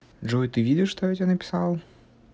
джой ты видишь что я тебе написал